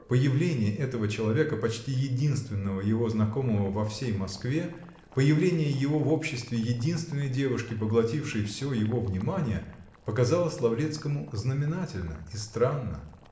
Появление этого человека, почти единственного его знакомого во всей Москве, появление его в обществе единственной девушки, поглотившей все его внимание, показалось Лаврецкому знаменательно и странно.